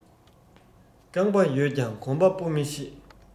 རྐང པ ཡོད ཀྱང གོམ པ སྤོ མི ཤེས